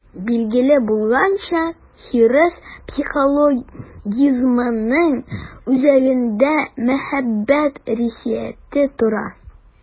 Билгеле булганча, хирыс психологизмының үзәгендә мәхәббәт хиссияте тора.